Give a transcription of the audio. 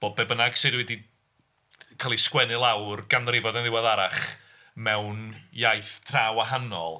Bod be bynnag sydd wedi cael ei sgwennu lawr ganrifoedd yn ddiweddarach mewn iaith tra wahanol.